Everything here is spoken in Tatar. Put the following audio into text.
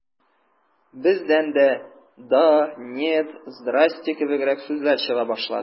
Бездән дә «да», «нет», «здрасте» кебегрәк сүзләр чыга башлады.